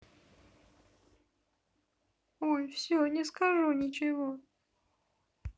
ой все не скажу ничего